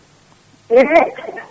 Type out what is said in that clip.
eyyi